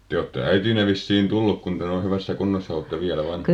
te olette äitiinne vissiin tullut kun te noin hyvässä kunnossa olette vielä vain